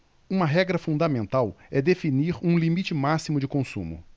uma regra fundamental é definir um limite máximo de consumo